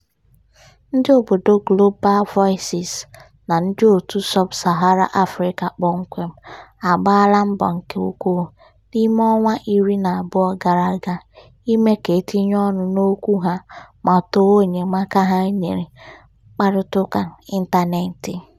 Ndị obodo Global Voices, na ndịòtù Sub-Saharan Africa kpọmkwem, agbaala mbọ nke ukwuu n'ime ọnwa iri na abụọ gara aga ime ka e tinye ọnụ n'okwu ha ma too enyemaka ha nyere mkparịtaụka ịntaneetị.